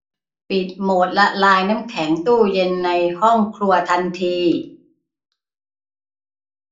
ปิดโหมดละลายน้ำแข็งตู้เย็นในห้องครัวทันที